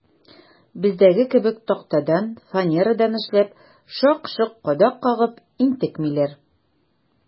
Бездәге кебек тактадан, фанерадан эшләп, шак-шок кадак кагып интекмиләр.